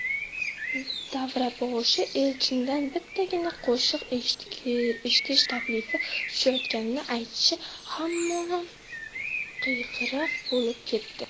davraboshi elchindan bittagina qo'shiq eshitish taklifi tushayotganini aytishi hamonoq qiyqiriq bo'lib ketdi